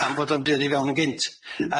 Pam bod o'n dod i fewn yn gynt?